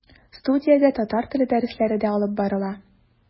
Студиядә татар теле дәресләре дә алып барыла.